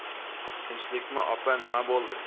tinchlikmi opa nima bo'ldi